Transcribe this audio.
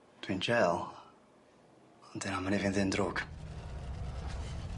Dwi'n jêl ond 'di fi'n ddyn drwg.